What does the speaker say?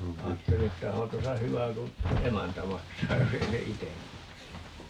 ajattelin että onhan tuossa hyvä kun emäntä maksaa jos ei se itse maksa